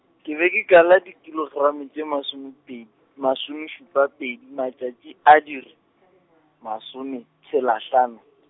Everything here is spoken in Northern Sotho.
ke be ke kala dikilogramo tše masome pe-, masomešupa pedi matšatši a di r-, masometshela hlano .